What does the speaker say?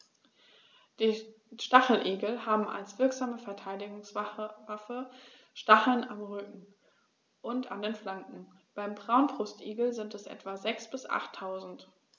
Die Stacheligel haben als wirksame Verteidigungswaffe Stacheln am Rücken und an den Flanken (beim Braunbrustigel sind es etwa sechs- bis achttausend).